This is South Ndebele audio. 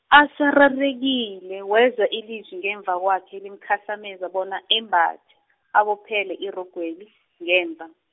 asararekile wezwa ilizwi ngemva kwakhe limkhahlameza bona embathe , abophele irogweli, ngemva.